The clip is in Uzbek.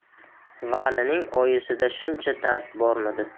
valining oyisida shuncha dard bormidi